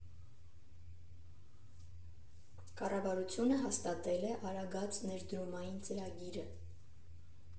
Կառավարությունը հաստատել է Արագած ներդրումային ծրագիրը։